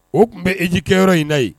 O tun bɛ eji kɛyɔrɔ yɔrɔ in na ye